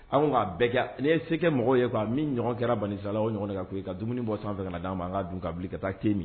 A ko k'a bɛɛ ja ne yese mɔgɔ ye' min ɲɔgɔn kɛra bansala o ɲɔgɔn de ka' i ka dumuni bɔ sanfɛ fɛ ka d'a ma an kaa dun k'a bilen ka taa te min